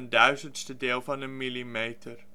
duizendste deel van een millimeter